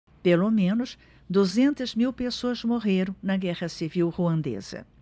pelo menos duzentas mil pessoas morreram na guerra civil ruandesa